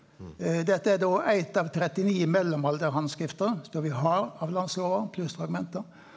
dette er då eit av 39 mellomalderhandskrift som vi har av landslova pluss fragmenter.